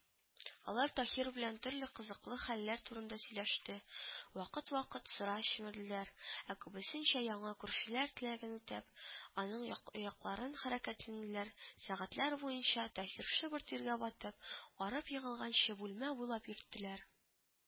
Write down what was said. Алар Таһир белән төрле кызыклы хәлләр турында сөйләште, вакыт-вакыт сыра чөмерделәр, ә күбесенчә яңа күршеләр теләген үтәп, аның як аякларын хәрәкәтләнделәр, сәгатьләр буенча, Таһир шыбыр тиргә батып, арып егылганчы бүлмә буйлап йөрттеләр